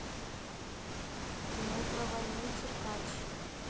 кино про войну циркач